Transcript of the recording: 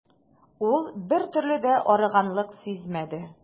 Ул бертөрле дә арыганлык сизмәде.